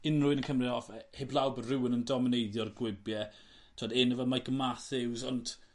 unrywun yn cymryd e off e heb law bod rywun yn domineiddio'r gwibie t'od enw fel Micheal Matthews ont